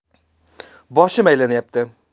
boshim aylanayapti